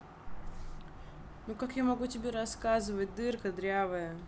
ну как я тебе могу рассказать дырка дрявая